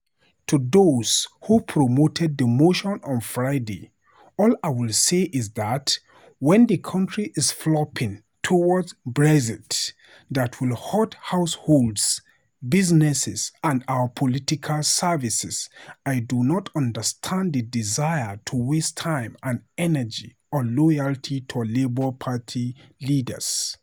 To those who promoted the motion on Friday, all I would say is that when the country is ploughing towards a Brexit that will hurt households, businesses and our public services, I do not understand the desire to waste time and energy on my loyalty to the Labour party leader.